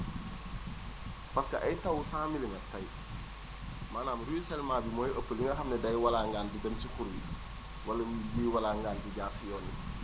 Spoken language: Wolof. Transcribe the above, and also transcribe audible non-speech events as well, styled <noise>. <noise> pace que ay tawu 100 milimètres tey maanaam ruisselement bi mooy ëpp li nga xam ne day walangaan di dem si xur yi wala muy di walangaan di jaar si yoon yi